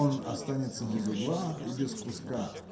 Он останется без угла и без куска.